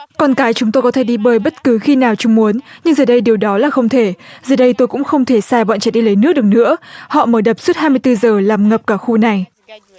con cái chúng tôi có thể đi bơi bất cứ khi nào chúng muốn nhưng giờ đây điều đó là không thể dưới đây tôi cũng không thể sai vẫn chạy đi lấy nước được nữa họ mới đẹp suốt hai mươi tư giờ làm ngập cả khu này